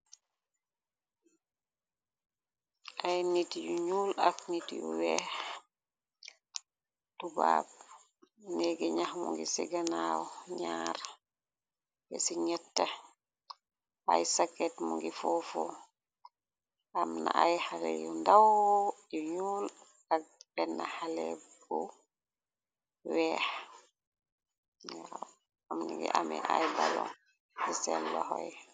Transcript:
Ay nit yu ñuul ak nit yu weex tubaab negi ñyax mu ngi ci ganaaw ñaar ya ci ñett ay saket mu ngi foofo am na ay xale yu ndawo yu ñuul ak benne xale bu weex mungi ame ay balo ci sel loxoy.